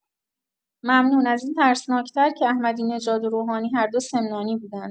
ممنون از این ترسناک‌تر که احمدی‌نژاد و روحانی هر دو سمنانی بودند!